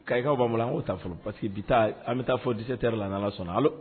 Kayi kaw ban bolo an kulo ta fɔlɔ. parce que bi ta an bi taa fɔ 17 heures la . Ni Ala sɔnna .Alo